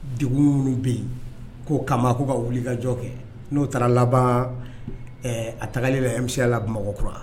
Dugu minnu bɛ yen ko kama'u ka wuli ka jɔ kɛ n'o taara laban ɛɛ a tagalen bɛ denmisɛnmiyala mɔgɔwkura